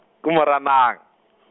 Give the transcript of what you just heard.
ke Moranang.